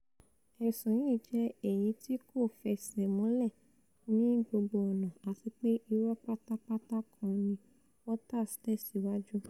Ẹ̀sùn yìí jẹ èyití kò fẹsẹ̀múlẹ̀ ní gbogbo ọ̀nà àtipé irọ́ pátápátá kan ni,'' Waters tẹ̀síwájú.